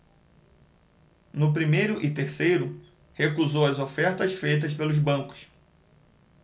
no primeiro e terceiro recusou as ofertas feitas pelos bancos